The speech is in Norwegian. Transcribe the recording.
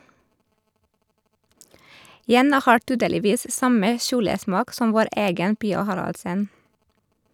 Jenna har tydeligvis samme kjolesmak som vår egen Pia Haraldsen.